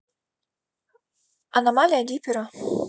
аномалии дипера